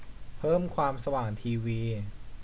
เพิ่มความสว่างทีวี